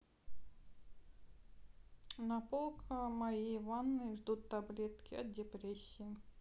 наполка моей ванной ждут таблетки от депрессии